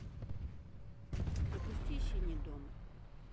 запусти синий дом